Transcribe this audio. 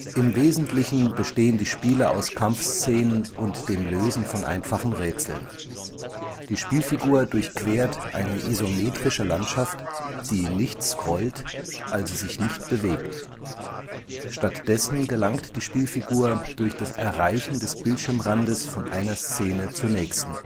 Im Wesentlichen bestehen die Spiele aus Kampfszenen und dem Lösen von einfachen Rätseln. Die Spielfigur durchquert eine isometrische Landschaft, die nicht scrollt (also sich nicht bewegt). Stattdessen gelangt die Spielfigur durch das Erreichen des Bildschirmrandes von einer Szene zur nächsten